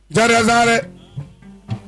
Ja sa dɛ